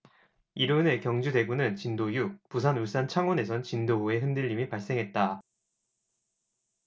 이로 인해 경주 대구는 진도 육 부산 울산 창원에선 진도 오 의 흔들림이 발생했다